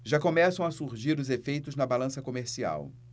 já começam a surgir os efeitos na balança comercial